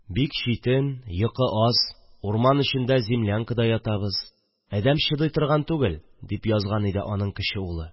«бик читен, йокы аз, урман эчендә землянкада ятабыз, әдәм чыдый торган түгел», дип язган иде аның кече улы